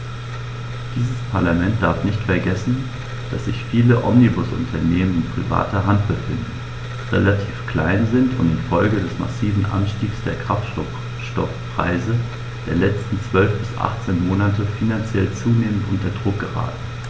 Dieses Parlament darf nicht vergessen, dass sich viele Omnibusunternehmen in privater Hand befinden, relativ klein sind und in Folge des massiven Anstiegs der Kraftstoffpreise der letzten 12 bis 18 Monate finanziell zunehmend unter Druck geraten.